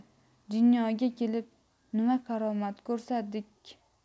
dunyoga kelib nima karomat ko'rsatdik